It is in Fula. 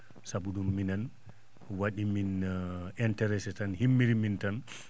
sabu ?um minen wa?imin intérèssé tan himmini min tan